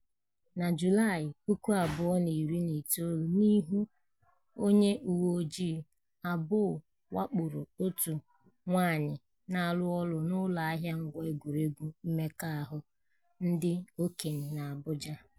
Na Julaị 2019, n’ihu onye uweojii, Abbo wakporo otu nwaanyị na-arụ ọrụ n’ụlọ ahịa ngwa egwuregwu mmekọahụ ndị okenye n'Abuja.